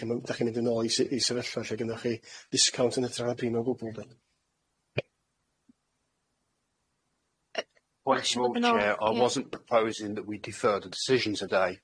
chi myn- dach chi'n mynd yn ôl i sy- i sefyllfa lle gynnoch chi discount yn ytrach na'r primiwm o gwbwl dwi'n gwybod? Once more chair I wasn't proposing that we deferred the decision today.